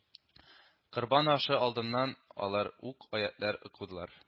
Корбан ашы алдыннан алар ук аятьләр укыдылар